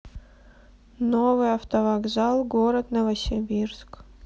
новый автовокзал город новосибирск